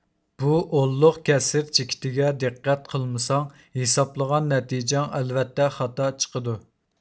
بۇ ئونلۇق كەسىر چېكىتىگە دىققەت قىلمىساڭ ھېسابلىغان نەتىجەڭ ئەلۋەتتە خاتا چىقىدۇ